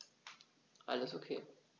Alles OK.